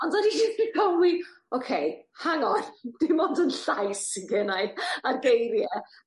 On'd ydi sylwi oce hang on dim ond 'yn llais sy gennai. A geirie